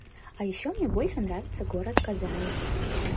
а еще мне больше нравится город казань